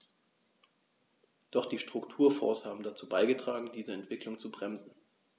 Doch die Strukturfonds haben dazu beigetragen, diese Entwicklung zu bremsen.